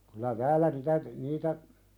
kyllä täällä niitä - niitä